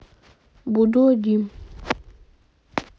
буду один